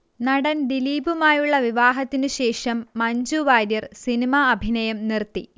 നടൻ ദിലീപുമായിട്ടുള്ള വിവാഹത്തിനു ശേഷം മഞ്ജു വാര്യർ സിനിമ അഭിനയം നിർത്തി